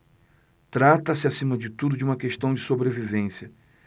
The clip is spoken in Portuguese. trata-se acima de tudo de uma questão de sobrevivência